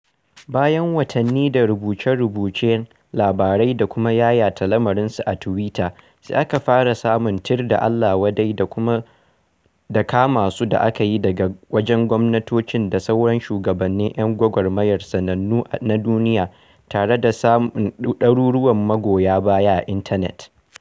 Bayan watanni da rubuce-rubucen labarai da kuma yayata lamarinsu a Tuwita, sai aka fara samun tir da allawadai da kama sun da aka yi daga wajen gwamnatoci da sauran shugabannin 'yan gwagwarmaya sanannu na duniya, tare da samun ɗaruruwan magoya baya a intanet.